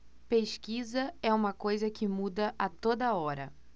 pesquisa é uma coisa que muda a toda hora